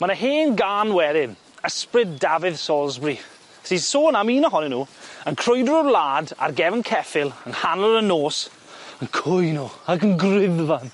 Ma' 'na hen gân werin ysbryd Dafydd Salisbury sy'n sôn am un ohonyn nw yn crwydro'r wlad ar gefn ceffyl yng nghanol y nos yn cwyno ac yn griddfan.